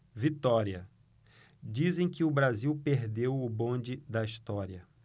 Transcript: vitória dizem que o brasil perdeu o bonde da história